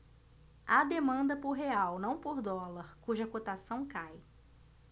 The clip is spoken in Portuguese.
há demanda por real não por dólar cuja cotação cai